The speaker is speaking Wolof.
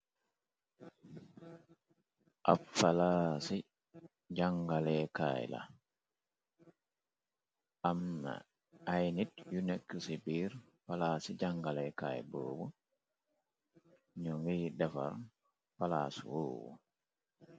Ab falaasi jàngaleekaay la, amna ay nit yu nekk ci biir palaasi jàngalekaay boobu , ñu ngiy defar palaas boobu.